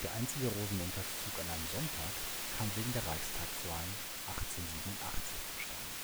einzige Rosenmontagszug an einem Sonntag kam wegen der Reichstagswahlen 1887 zustande